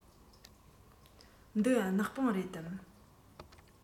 འདི ནག པང རེད དམ